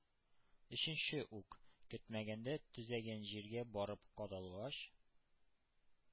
Өченче ук, көтмәгәндә төзәгән җиргә барып кадалгач,